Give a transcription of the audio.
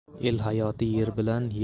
el hayoti yer bilan